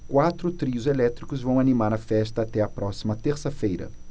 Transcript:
quatro trios elétricos vão animar a festa até a próxima terça-feira